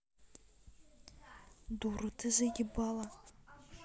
дура ты заебала